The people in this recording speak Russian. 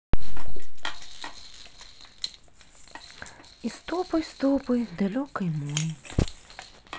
и стопой стопой далекой мой